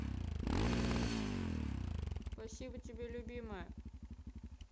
спасибо тебе любимая